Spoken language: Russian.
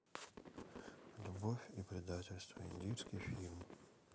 любовь и предательство индийский фильм